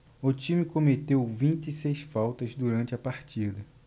o time cometeu vinte e seis faltas durante a partida